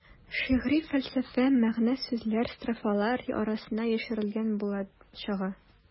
Шигъри фәлсәфә, мәгънә-сүзләр строфалар арасына яшерелгән булып чыга.